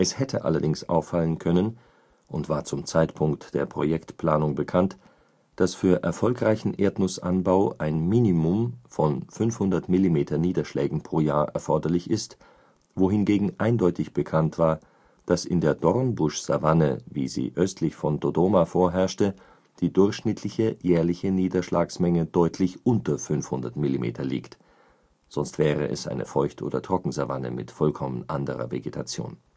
hätte allerdings auffallen können - und war zum Zeitpunkt der Projektplanung bekannt - dass für erfolgreichen Erdnussanbau ein Minimum von 500 mm Niederschlägen pro Jahr erforderlich ist, wohingegen eindeutig bekannt war, dass in der Dornbuschsavanne – wie sie östlich von Dodoma vorherrschte – die durchschnittliche jährliche Niederschlagsmenge deutlich unter 500 mm liegt (sonst wäre es eine Feucht - oder Trockensavanne mit vollkommen anderer Vegetation